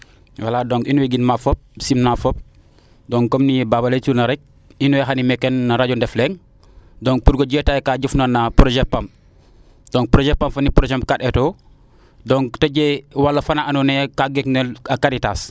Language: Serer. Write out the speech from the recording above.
wala donc in way gidma fop simna fop donc comme ne Baba ley tuuna rek in way xaye meeke no radio Ndefleng donc pour jotaay ka njofna no projet Pam donc projet :frav Pam fo projet 4R o donc te jeg wolof ana ando naye kaa geek nel a Karitas